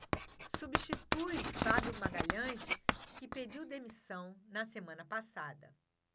substitui fábio magalhães que pediu demissão na semana passada